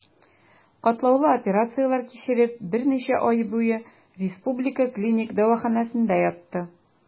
Катлаулы операцияләр кичереп, берничә ай буе Республика клиник дәваханәсендә ятты.